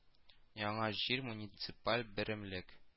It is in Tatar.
Яңа Җир муниципаль берәмлек